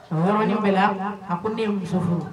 Ɔrɔnin bɛ la a ko ne muso